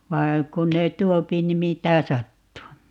vaan kun ne tuo niin mitä sattuu